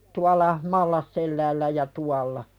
tuolla Mallasselällä ja tuolla